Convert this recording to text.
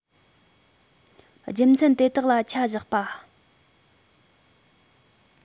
རྒྱུ མཚན དེ དག ལ ཆ བཞག པ